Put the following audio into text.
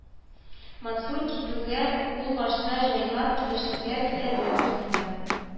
Мансур китүгә, ул башта җайлап килешергә теләде, ахырда,